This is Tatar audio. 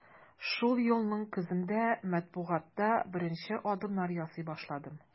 Шул елның көзендә матбугатта беренче адымнар ясый башладым.